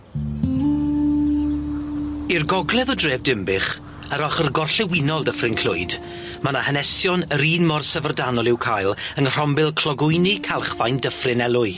Ir gogledd o dref Dinbych, yr ochor gorllewinol Dyffryn Clwyd ma' 'na hanesion yr un mor syfrdanol i'w cael yng nghrombil clogwyni Calchfaen Dyffryn Elwy.